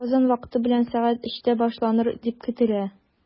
Казан вакыты белән сәгать өчтә башланыр дип көтелә.